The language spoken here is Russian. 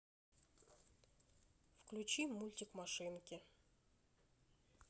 включи мультик машинки